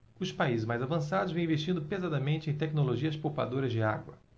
os países mais avançados vêm investindo pesadamente em tecnologias poupadoras de água